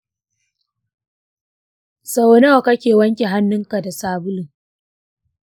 sau nawa kake wanke hanunka da sabulu?